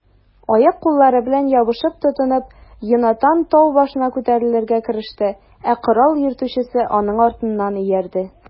Аяк-куллары белән ябышып-тотынып, Йонатан тау башына күтәрелергә кереште, ә корал йөртүчесе аның артыннан иярде.